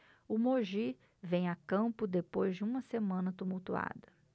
o mogi vem a campo depois de uma semana tumultuada